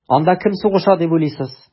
Анда кем сугыша дип уйлыйсыз?